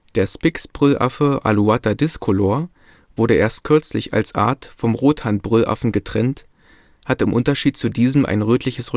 Der Spix-Brüllaffe (Alouatta discolor) wurde erst kürzlich als Art vom Rothandbrüllaffen getrennt, hat im Unterschied zu diesem ein rötliches